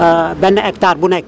benn hectare bu nekk